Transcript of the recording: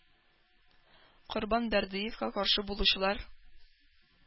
Корбан Бәрдыевка каршы булучылар